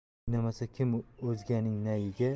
o'ynamasa kim o'zganing nayiga